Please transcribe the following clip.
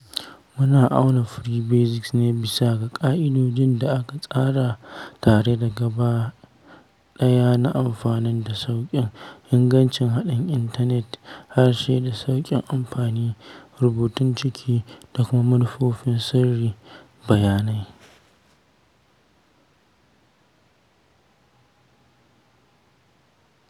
Mun auna Free Basics ne bisa ga ƙa’idoji da aka tsara tare gaba ɗaya na amfani da sauƙi, ingancin haɗin intanet, harshe da sauƙin amfani, rubutun ciki,, da kuma manufofin sirri/bayanai.